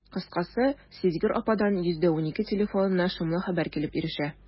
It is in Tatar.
Кыскасы, сизгер ападан «112» телефонына шомлы хәбәр килеп ирешә.